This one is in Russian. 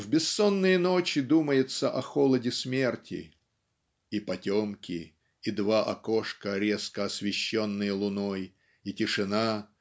В бессонные ночи думается о холоде смерти "и потемки и два окошка резко освещенные луной и тишина